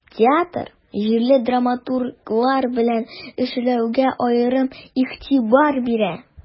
Театр җирле драматурглар белән эшләүгә аерым игътибар бирә.